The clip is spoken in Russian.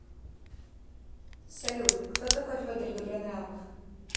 салют кто такой федор добронравов